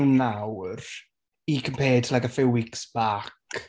nawr, i compared to like a few weeks back.